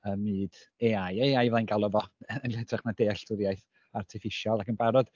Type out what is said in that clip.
Ym myd AI, AI fydda i'n galw fo, yn hytrach na dealltwriaeth artiffisial ac yn barod...